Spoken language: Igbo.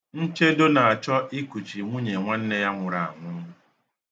Nchedo na-achọ ikuchi nwunye nwanne ya nwụrụ anwụ.